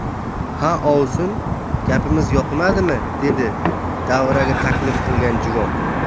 ha ovsin gapimiz yoqmadimi dedi davraga taklif qilgan juvon